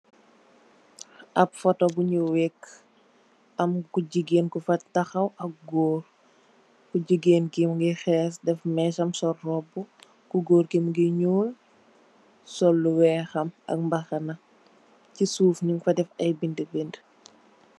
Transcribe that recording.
Ab photo bu nu weka am ku jigeen gu fa taxaw ak goor ku jigeen ki mogi hees def messam sol roobu ku goor gi mogi nuul sop lu weex xam ak mbahana si suuf nyung fa def ay benda benda.